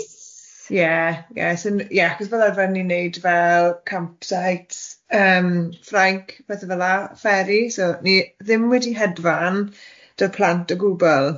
So ie ie so n- ie achos fel arfer ni'n neud fel campsites yym Ffrainc pethe fel'a ferry so ni ddim wedi hedfan da'r plant o gwbwl.